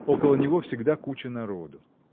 Около него всегда кучка народу.